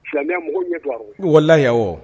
Silamɛya ye mɔgɔw ɲɛ do arɔ , wallahi awɔ.